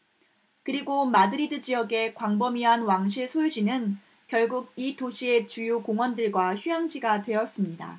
그리고 마드리드 지역의 광범위한 왕실 소유지는 결국 이 도시의 주요 공원들과 휴양지가 되었습니다